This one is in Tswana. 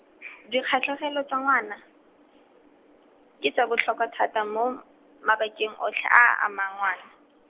dikgatlhegelo tsa ngwana, ke tsa botlhokwa thata mo m-, mabakeng otlhe a a amang ngwana.